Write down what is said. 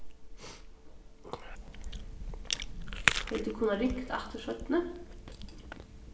hevði tú kunnað ringt aftur seinni